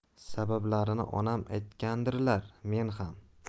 sabablarini onam aytgandirlar men ham